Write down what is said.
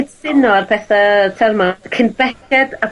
...cytuno a'r pethe yy terma cyn belled â